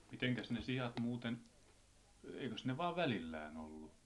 mitenkäs ne siat muuten eikös ne vain välillään ollut